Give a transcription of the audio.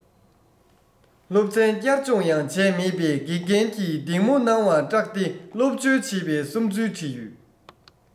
སློབ ཚན བསྐྱར སྦྱོང ཡང བྱས མེད པས དགེ རྒན གྱི སྡིག དམོད གནང བར སྐྲག སྟེ སློབ བྱོལ བྱེད པའི བསམ ཚུལ བྲིས ཡོད